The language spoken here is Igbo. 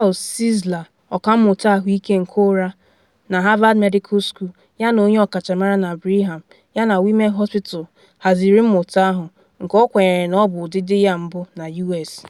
Charles Czeisler, ọkammụta ahụike nke ụra na Havard Medical School yana onye ọkachamara na Brigham yana Women Hospital haziri mmụta ahụ, nke ọ kwenyere na ọ bụ ụdịdị ya mbu na US.